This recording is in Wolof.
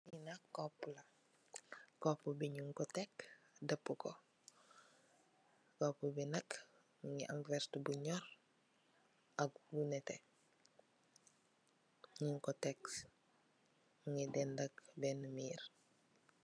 Cuppu bi nak nyun ko tek ndompoko. Cuppu bi nak mugi am verte bi nyorr, nete dende bena mir.